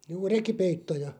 juu rekipeittoja